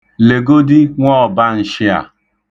Legodi nwọọbanshị a!